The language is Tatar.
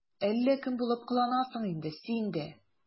Әллә кем булып кыланасың инде син дә...